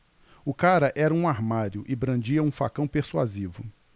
o cara era um armário e brandia um facão persuasivo